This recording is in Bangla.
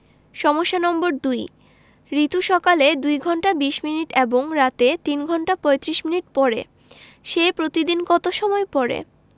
সমস্যা নম্বর ২ রিতু সকালে ২ ঘন্টা ২০ মিনিট এবং রাতে ৩ ঘণ্টা ৩৫ মিনিট পড়ে সে প্রতিদিন কত সময় পড়ে